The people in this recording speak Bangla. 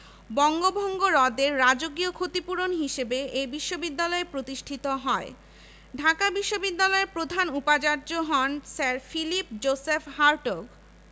বঙ্গভঙ্গ রদের রাজকীয় ক্ষতিপূরণ হিসেবে এ বিশ্ববিদ্যালয় প্রতিষ্ঠিত হয় ঢাকা বিশ্ববিদ্যালয়ের প্রথম উপাচার্য হন স্যার ফিলিপ জোসেফ হার্টগ